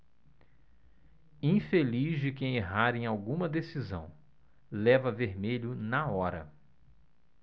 infeliz de quem errar em alguma decisão leva vermelho na hora